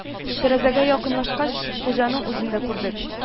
Тәрәзәгә якынлашкач, хуҗаның үзен дә күрдек